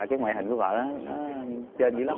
cái ngoại hình của vợ á nó trên dữ lắm